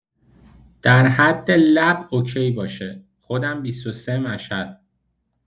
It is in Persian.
در حد لب اوکی باشه، خودم ۲۳ مشهد